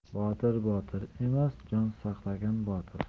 botir botir emas jon saqlagan botir